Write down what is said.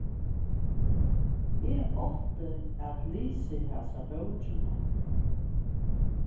eg átti at lisið hasa bókina